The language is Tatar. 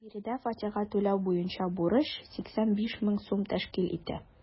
Биредә фатирга түләү буенча бурыч 85 мең сум тәшкил итә.